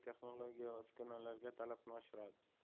texnologiya va uskunalarga talabni oshiradi